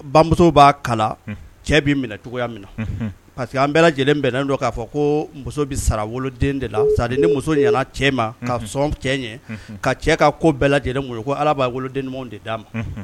Bamuso b'a kala cɛ bɛ minɛ cogoya min na parce que an bɛɛ lajɛlen bɛn don k'a fɔ ko muso bɛ sara woloden de na sara ni muso ɲɛna cɛ ma ka cɛ ɲɛ ka cɛ ka ko bɛɛ lajɛlen ko ala b'a wolodenw de d'a ma